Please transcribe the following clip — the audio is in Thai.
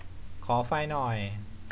ขอไฟหน่อย